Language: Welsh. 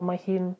Mae hi'n